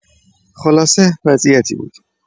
خلاصه، وضعیتی بود.